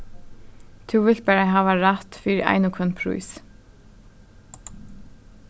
tú vilt bara hava rætt fyri ein og hvønn prís